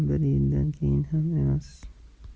bir yildan keyin ham emas